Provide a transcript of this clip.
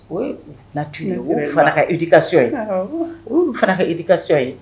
O ye na tun fana ka idika so ye fana ka idika so ye